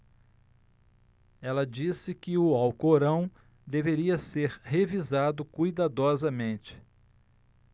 ela disse que o alcorão deveria ser revisado cuidadosamente